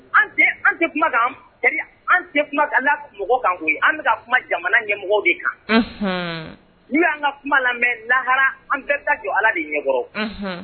An an tɛ kuma kan an tɛ kuma ala kan an bɛka ka kuma jamana ɲɛmɔgɔ de kan n'u y'an ka kuma lamɛn lahara an bɛɛ taa jɔ ala de ɲɛmɔgɔ